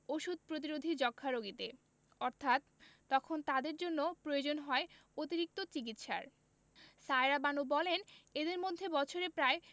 ওষুধ প্রতিরোধী যক্ষ্মা রোগীতে অর্থাৎ তখন তাদের জন্য প্রয়োজন হয় অতিরিক্ত চিকিৎসার সায়েরা বানু বলেন এদের মধ্যে বছরে প্রায়